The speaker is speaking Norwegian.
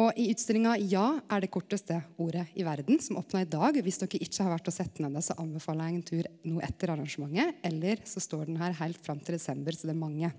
og i utstillinga Ja er det kortaste ordet i verda som opner i dag viss dokker ikkje har vore å sett den enno så anbefaler eg ein tur no etter arrangementet eller så står den her heilt fram til desember så det er mange